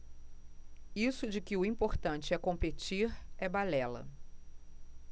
isso de que o importante é competir é balela